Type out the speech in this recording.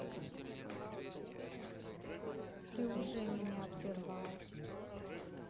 ты уже меня прервал